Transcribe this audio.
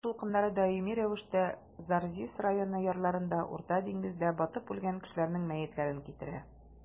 Диңгез дулкыннары даими рәвештә Зарзис районы ярларына Урта диңгездә батып үлгән кешеләрнең мәетләрен китерә.